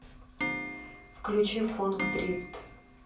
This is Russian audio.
включи фонк дрифт